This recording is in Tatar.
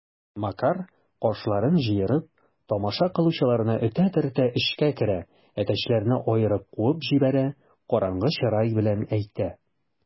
Макар, кашларын җыерып, тамаша кылучыларны этә-төртә эчкә керә, әтәчләрне аерып куып җибәрә, караңгы чырай белән әйтә: